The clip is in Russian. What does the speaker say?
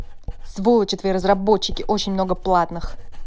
сволочи твои разработчики очень много платных